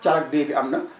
Calag 2 bi am na